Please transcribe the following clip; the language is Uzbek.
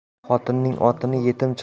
xotinning otini yetim